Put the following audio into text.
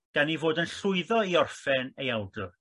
gan i fod yn llwyddo i orffen ei awdl